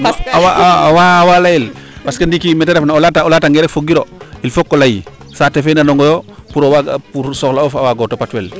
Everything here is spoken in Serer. non awaa leyel parce que ndiiki meete refna o lea tange rek foga tiro il fook o ley saate fe nanong o yo pour soxla of a waago topat wel